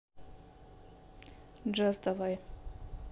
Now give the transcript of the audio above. джаз давай